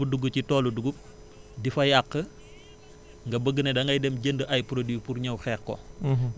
gunóor gu dugg ci toolu dugub di fa yàq nga bëgg ne da ngay dem jënd ay produits pour ñëw xeex ko